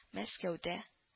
Мәскәүдә